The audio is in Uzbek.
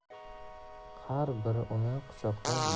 har biri uni quchoqlab